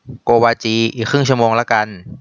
โกวาจีอีกครึ่งชั่วโมงละกัน